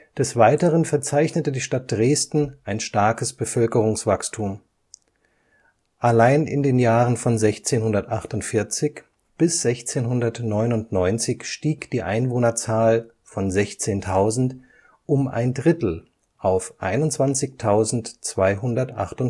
Des Weiteren verzeichnete die Stadt Dresden ein starkes Bevölkerungswachstum. Allein in den Jahren von 1648 bis 1699 stieg die Einwohnerzahl von 16.000 um ein Drittel auf 21.298